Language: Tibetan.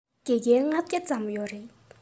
དགེ རྒན ༥༠༠ ཙམ ཡོད རེད